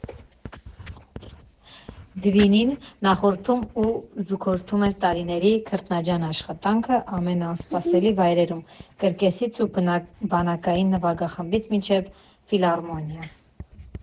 «Դվինին» նախորդում ու զուգորդում էր տարիների քրտնաջան աշխատանքը ամենաանսպասելի վայրերում՝ կրկեսից ու բանակային նվագախմբից մինչև ֆիլհարմոնիա։